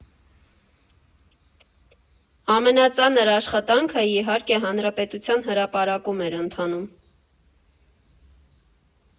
Ամենածանր աշխատանքը, իհարկե, Հանրապետության հրապարակում էր ընթանում։